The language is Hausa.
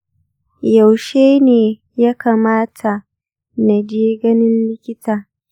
yaushe ne ya kamata na je ganin likita?